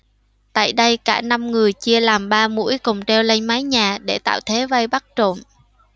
tại đây cả năm người chia làm ba mũi cùng trèo lên mái nhà để tạo thế vây bắt trộm